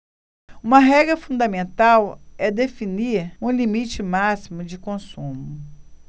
uma regra fundamental é definir um limite máximo de consumo